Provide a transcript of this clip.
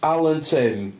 Alan Tim.